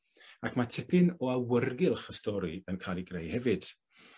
Ac ma' tipyn o awyrgylch y stori yn ca'l 'i greu hefyd.